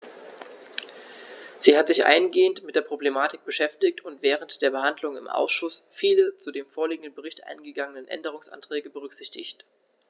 Sie hat sich eingehend mit der Problematik beschäftigt und während der Behandlung im Ausschuss viele zu dem vorliegenden Bericht eingegangene Änderungsanträge berücksichtigt.